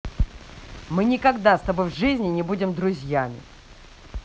мы никогда с тобой в жизни не будем друзьями